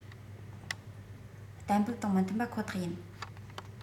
གཏན འབེབས དང མི མཐུན པ ཁོ ཐག ཡིན